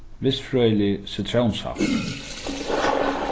vistfrøðilig sitrónsaft